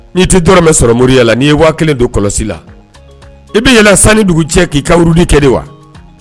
N'i tɛ dɔrɔmɛ sɔrɔ moriya la, n' i ye wa kelen don kɔlɔsi la, i bɛ yɛlɛ san ni dugu cɛ k'i ka wurudi kɛ wa?